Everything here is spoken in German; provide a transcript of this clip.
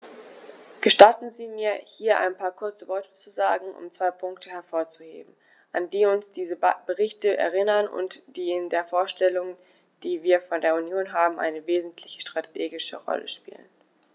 Gestatten Sie mir, hier ein paar kurze Worte zu sagen, um zwei Punkte hervorzuheben, an die uns diese Berichte erinnern und die in der Vorstellung, die wir von der Union haben, eine wesentliche strategische Rolle spielen.